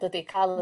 dydi? Ca'l y...